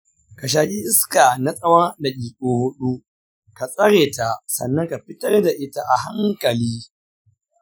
ka shaƙi iska na tsawon daƙiƙa huɗu, ka tsare ta, sannan ka fitar da ita a hankali.